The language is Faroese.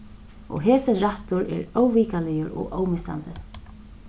og hesin rættur er óvikaligur og ómissandi